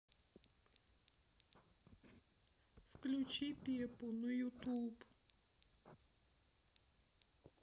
включи пеппу на ютуб